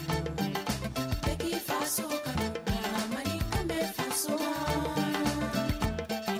Bɛ ki faso kanu, Mali den bɛ faso